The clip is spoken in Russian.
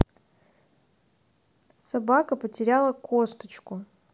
собака потеряла косточку